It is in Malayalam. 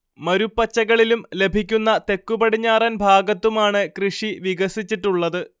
മരുപ്പച്ചകളിലും ലഭിക്കുന്ന തെക്കുപടിഞ്ഞാറൻ ഭാഗത്തുമാണ് കൃഷി വികസിച്ചിട്ടുള്ളത്